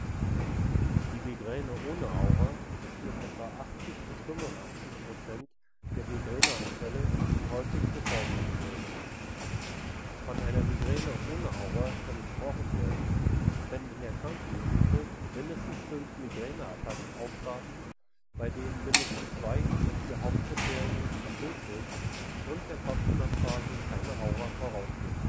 Die Migräne ohne Aura ist mit etwa 80 – 85 % der Migräneanfälle die häufigste Form der Migräne. Von einer Migräne ohne Aura kann gesprochen werden, wenn in der Krankengeschichte mindestens fünf Migräneattacken auftraten, bei denen mindestens zwei der vier Hauptkriterien erfüllt sind und der Kopfschmerzphase keine Aura vorausging